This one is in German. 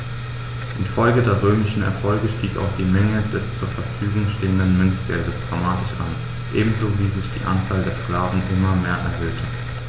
Infolge der römischen Erfolge stieg auch die Menge des zur Verfügung stehenden Münzgeldes dramatisch an, ebenso wie sich die Anzahl der Sklaven immer mehr erhöhte.